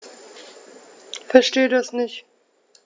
Verstehe das nicht.